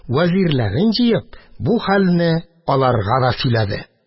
Вәзирләрен җыеп, бу хәлне аларга да сөйләде.